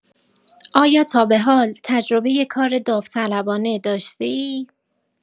آیا تا به حال تجربه کار داوطلبانه داشته‌ای؟